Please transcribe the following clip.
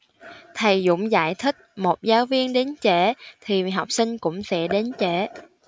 thầy dũng giải thích một giáo viên đến trễ thì học sinh cũng sẽ đến trễ